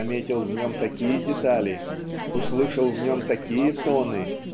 заметил в нем такие детали услышал в нем такие тоны